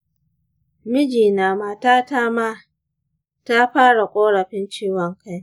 mijina/matata ma ya/ta fara korafin ciwon kai.